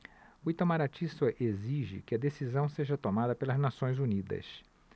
o itamaraty só exige que a decisão seja tomada pelas nações unidas